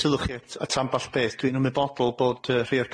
sylw chi at amball beth dwi'n ymwybodol bod yy rhei o'r